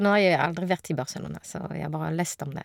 Nå har jeg aldri vært i Barcelona, så jeg har bare lest om det.